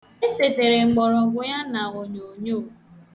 Esetere mgbọrọgwọ ya n'onyonyo.